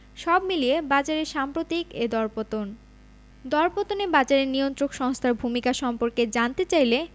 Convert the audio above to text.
সব মিলিয়ে বাজারের সাম্প্রতিক এ দরপতন দরপতনের বাজারে নিয়ন্ত্রক সংস্থার ভূমিকা সম্পর্কে জানতে চাইলে